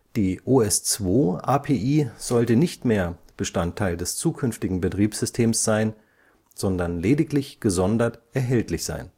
Die OS/2-API sollte nicht mehr Bestandteil des zukünftigen Betriebssystems sein, sondern lediglich gesondert erhältlich sein